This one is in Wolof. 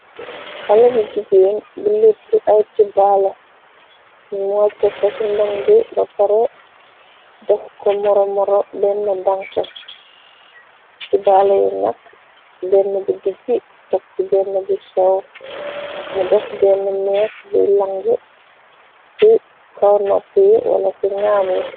Xala bi jigéen bi letu ay tibaale ni mocha ko ci ndangi ba pare def ko moromoro benn dank tibaale yi nakk benn bu dijj tekti benn bu sew mu def benn mees buy lang ci kaw nopp yi wala ci naam yi.